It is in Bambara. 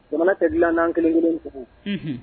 Jamana tɛ dilan kelen kelenbugu